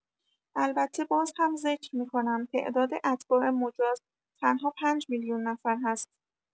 البته باز هم ذکر می‌کنم تعداد اتباع مجاز تنها ۵ میلیون نفر هست.